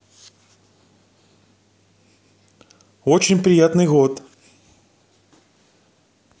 очень приятный год